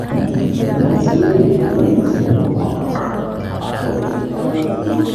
Waxaa ka muuqdi labo silingo oo baa kad ku niro